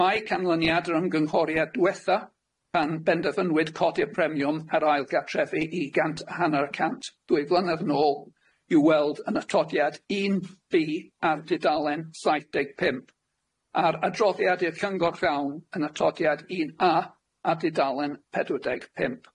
Mae canlyniad yr ymgynghoriad dwetha, pan benderfynwyd codi'r premiwm ar ail gartrefi i gant hanner y cant ddwy flynedd nôl, i'w weld yn ytodiad un vee ar dudalen saith deg pump, a'r adroddiad i'r Cyngor llawn yn ytodiad un a ar dudalen pedwar deg pump.